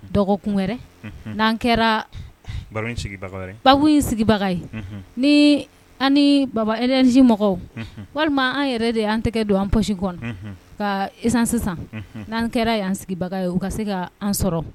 Dɔgɔkun wɛrɛ n'an kɛra ba in sigibaga ye ni an babaji mɔgɔw walima an yɛrɛ de y an tɛgɛ don an psi kɔnɔ kasan sisan n'an kɛra'an sigibaga ye u ka se ka an sɔrɔ